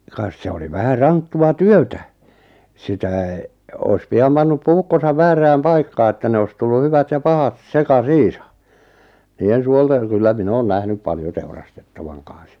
kas se oli vähän ranttua työtä sitä olisi pian pannut puukkonsa väärään paikkaan että ne olisi tullut hyvät ja pahat sekaisin niiden suolten kyllä minä olen nähnyt paljon teurastettavan kanssa